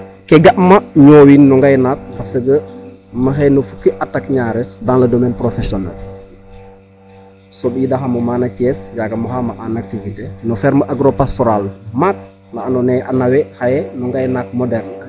Ke ga'ma ñoowin no ngaynaak parce que maxey no fukki at ak ñares dans le domaine professionel soɓiidaxamo mana Thiès yaaga maxey ma en activiter no ferme agro pastoral maak na andoona yee a nawe xaye no ngaynaak mderne.